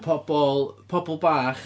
Pobol pobol bach.